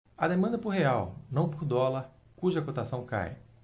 há demanda por real não por dólar cuja cotação cai